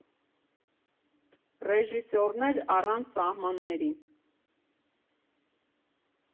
Ռեժիսորներ առանց սահմանների։